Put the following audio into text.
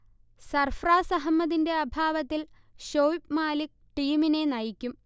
സർഫ്രാസ് അഹമ്മദിന്റെ അഭാവത്തിൽ ഷൊയ്ബ് മാലിക് ടീമിനെ നയിക്കും